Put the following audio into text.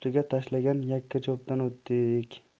ustiga tashlangan yakkacho'pdan o'tdik